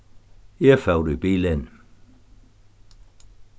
eg fór í bilin